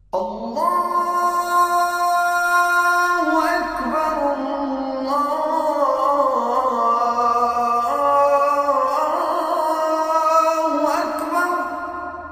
Mɔ mɔkuma mɔdu